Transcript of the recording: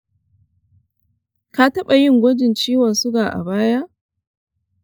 ka taɓa yin gwajin ciwon suga a baya?